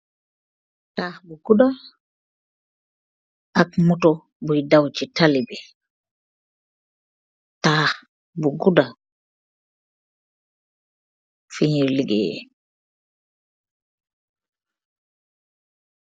Taah bu gudaa, ak morto buyyi daw ce talibi, taah bu gudaa funyew ligai yeayi.